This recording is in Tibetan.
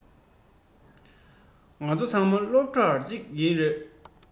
ང ཚོ ཚང མ སློབ གྲྭ གཅིག གི རེད